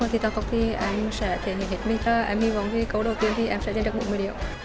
phần thi tăng tốc thì em sẽ thể hiện hết mình cho em hy vọng ở ngay câu đầu tiên thì em sẽ giành được bốn mươi điểm